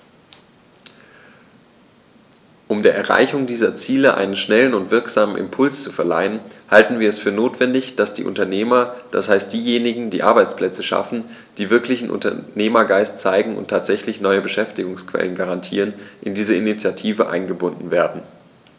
Um der Erreichung dieser Ziele einen schnellen und wirksamen Impuls zu verleihen, halten wir es für notwendig, dass die Unternehmer, das heißt diejenigen, die Arbeitsplätze schaffen, die wirklichen Unternehmergeist zeigen und tatsächlich neue Beschäftigungsquellen garantieren, in diese Initiative eingebunden werden.